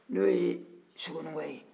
n'o ye sokoninkɔ ye